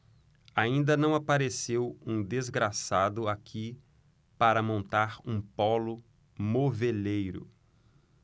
ainda não apareceu um desgraçado aqui para montar um pólo moveleiro